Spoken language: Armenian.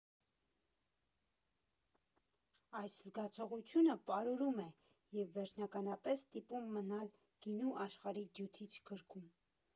Այս զգացողությունը պարուրում է և վերջնականապես ստիպում մնալ գինու աշխարհի դյութիչ գրկում։